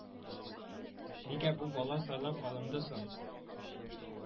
Нигә бу бала сайлап алынды соң